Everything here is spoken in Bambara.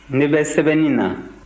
ne bɛ sɛbɛnni na